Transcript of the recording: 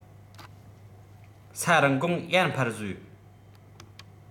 ས རིན གོང ཡར འཕར བཟོས